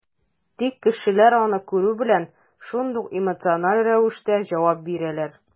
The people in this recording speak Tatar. Тик кешеләр, аны күрү белән, шундук эмоциональ рәвештә җавап бирәләр.